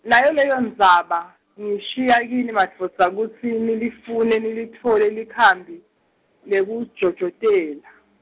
nayo leyo Ndzaba, ngiyishiya kini madvodza kutsi nilifune nilitfole likhambi, lekujojotela.